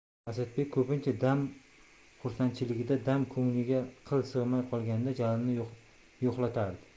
asadbek ko'pincha dam xursandchiligida dam ko'ngliga qil sig'may qolganida jalilni yo'qlatardi